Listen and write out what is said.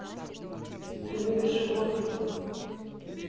ты любишь животных